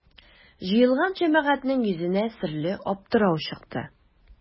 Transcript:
Җыелган җәмәгатьнең йөзенә серле аптырау чыкты.